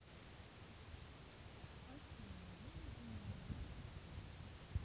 афина выведи на рабочий стол